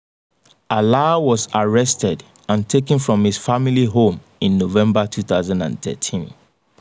Alaa was arrested and taken from his family’s home in November 2013.